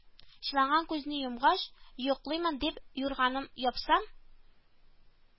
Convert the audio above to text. Чыланган күзне йомгач, йоклыймын дип юрганым япсам